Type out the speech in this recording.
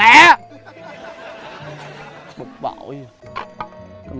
lẹ bực bội à